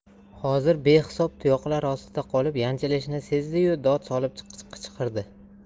hozir behisob tuyoqlar ostida qolib yanchilishini sezdi yu dod solib qichqirdi